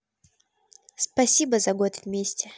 спасибо за год вместе